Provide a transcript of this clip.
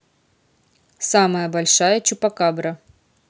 самая большая чупакабра